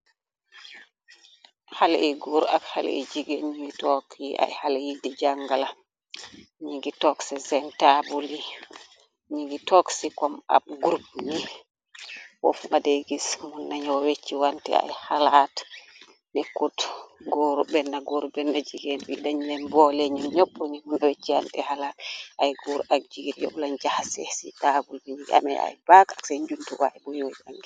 Xale yi góor ak xale yi jigeen ñuy toog yi ay xale yi di jàngla ni ngi toogse seen taabul i ñi gi toog ci kom ab grup ni wof made gis mu naño wecc wante ay xalaat nekkut góoru benna góoru benna jigeen bi dañ leen boole ñu ñopp ni wecci ante xalaat ay góor ak jigir yob lañ jaxse ci taabul bi ñuy amee ay baag ak see njuntuwaay buyujange.